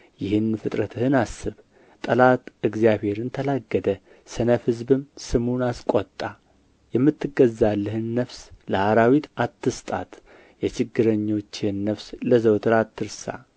ይህን ፍጥረትህን አስብ ጠላት እግዚአብሔርን ተላገደ ሰነፍ ሕዝብም ስሙን አስቈጣ የምትገዛልህን ነፍስ ለአራዊት አትስጣት የችግረኞችህን ነፍስ ለዘወትር አትርሳ